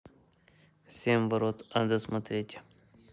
семь ворот ада смотреть